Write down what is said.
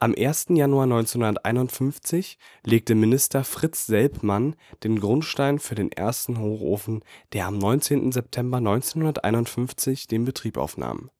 Am 1. Januar 1951 legte Minister Fritz Selbmann den Grundstein für den ersten Hochofen, der am 19. September 1951 den Betrieb aufnahm